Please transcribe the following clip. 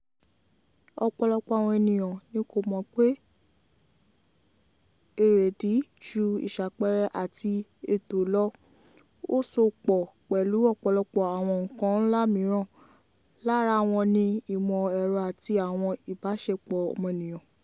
Ọ̀pọ̀lọpọ̀ àwọn ènìyàn ní kò mọ̀ pé èrèdí ju ìṣàpẹẹrẹ àti ètò lọ - ó so pọ̀ pẹ̀lú ọ̀pọ̀lọpọ̀ àwọn nǹkan ńlá míràn, lára wọn ni ìmọ̀ ẹ̀rọ àti àwọn ìbáṣepọ̀ ọmọnìyàn.